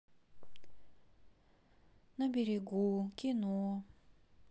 на берегу кино